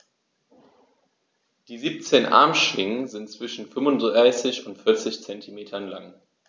Die 17 Armschwingen sind zwischen 35 und 40 cm lang.